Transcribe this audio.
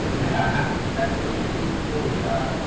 dạ em mới nghĩ thôi người ta